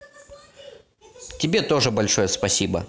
тебе тоже большое спасибо